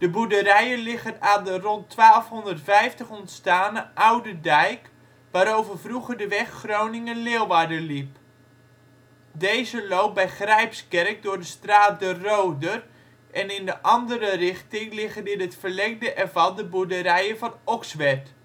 boerderijen liggen aan de rond 1250 ontstane oude dijk, waarover vroeger de weg Groningen - Leeuwarden liep; deze loopt bij Grijpskerk door de straat De Roder en in de andere richting liggen in het verlengde ervan de boerderijen van Okswerd